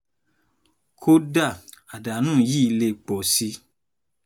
Kódà, àdánù yí lè pọ̀ si.”